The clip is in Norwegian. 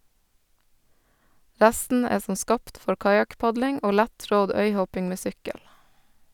Resten er som skapt for kajakkpadling og lett-trådd øyhopping med sykkel.